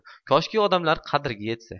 koshki odamlar qadriga yetsa